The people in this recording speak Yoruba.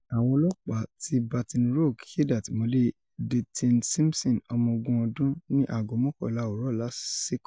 Àwọn ọlọ́pàá ti Baton Rogue kéde àtìmọ́lé Dyteon Simpson, ọmọ ogún ọdún (20) ní aago mọkànlá òwúrọ̀ lásìkò.